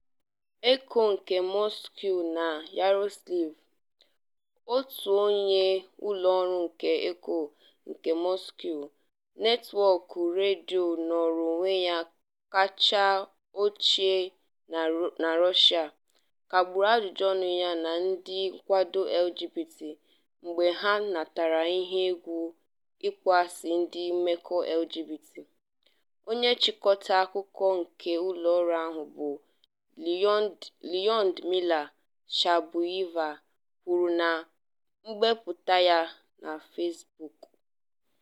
Echo nke Moscow na Yaroslavl, òtù onye ụlọọrụ nke Echo nke Moscow, netwọk redio nọọrọ onwe ya kacha ochie na Russia, kagburu ajụjụọnụ ya na ndị nkwado LGBT mgbe ha natara iyi egwu ịkpọasị ndị mmekọ LGBT, onye nchịkọta akụkọ nke ụlọọrụ ahụ bụ Lyudmila Shabuyeva kwuru na mbipụta ya na Facebook: